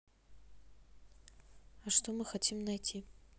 а что мы хотим найти